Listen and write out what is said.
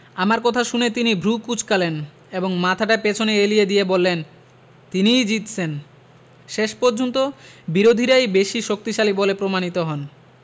আমার কথা শুনে তিনি ভ্রু কুঁচকালেন এবং মাথাটা পেছন এলিয়ে দিয়ে বললেন তিনিই জিতছেন শেষ পর্যন্ত বিরোধীরাই বেশি শক্তিশালী বলে প্রমাণিত হন